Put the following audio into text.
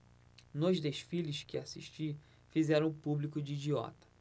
nos desfiles que assisti fizeram o público de idiota